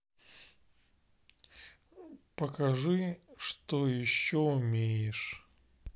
покажи что еще умеешь